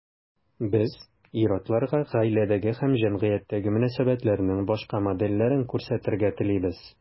Без ир-атларга гаиләдәге һәм җәмгыятьтәге мөнәсәбәтләрнең башка модельләрен күрсәтергә телибез.